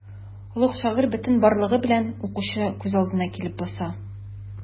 Олуг шагыйрь бөтен барлыгы белән укучы күз алдына килеп баса.